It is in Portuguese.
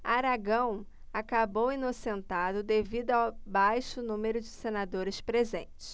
aragão acabou inocentado devido ao baixo número de senadores presentes